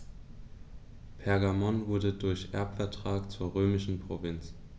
Pergamon wurde durch Erbvertrag zur römischen Provinz.